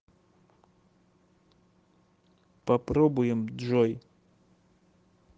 попробуем джой